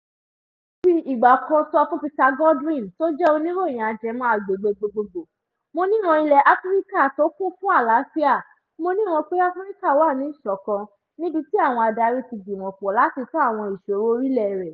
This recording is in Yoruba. O fi ìgbà kan sọ fún Peter Godwin, tó jẹ́ oníròyìn ajẹmọ́ agbègbè gbogboogbò, “Mo níran ilẹ̀ Áfíríkà tó kún fún àlááfíà, mo níran pé Áfíríkà wà ni ìṣọ̀kan, níbì tí àwọn adarí tí gbìmọ̀ pọ̀ láti tán àwọn ìṣòro orílẹ̀ rẹ̀.